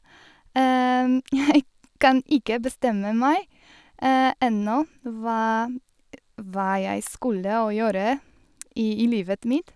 Jeg kan ikke bestemme meg ennå hva hva jeg skulle å gjøre i i livet mitt.